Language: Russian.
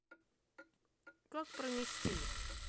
как пронести